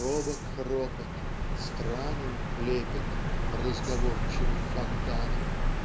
Робок ропот, странен лепет Разговорчивых фонтанов.